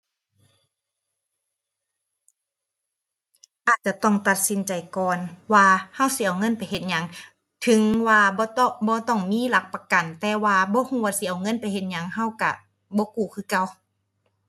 อาจจะต้องตัดสินใจก่อน ว่าเราสิเอาเงินไปเฮ็ดหยัง ถึงว่าบ่ต้อง บ่ต้องมีหลักประกันแต่ว่าบ่เราว่าสิเอาเงินไปเฮ็ดหยัง เราเราบ่กู้คือเก่า